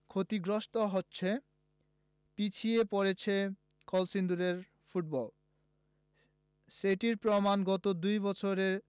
ক্ষতিগ্রস্ত হচ্ছে পিছিয়ে পড়ছে কলসিন্দুরের ফুটবল সেটির প্রমাণ গত দুই বছরে